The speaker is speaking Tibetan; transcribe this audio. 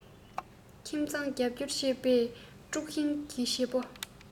ཁྱིམ ཚང རྒྱབ བསྐྱུར བྱེད པའི དཀྲུག ཤིང གི བྱེད པོ